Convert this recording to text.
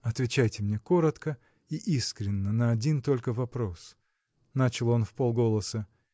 – Отвечайте мне коротко и искренно на один только вопрос – начал он вполголоса